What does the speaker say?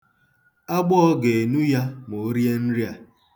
Agbọọ ga-enu ya ma o rie nri a.